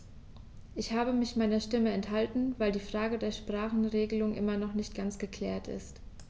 Ich habe mich meiner Stimme enthalten, weil die Frage der Sprachenregelung immer noch nicht ganz geklärt ist.